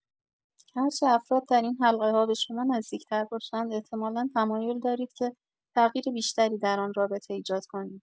هرچه افراد در این حلقه‌ها به شما نردیک‌تر باشند، احتمالا تمایل دارید که تغییر بیشتری در آن رابطه ایجاد کنید.